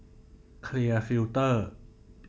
เคลียร์ฟิลเตอร์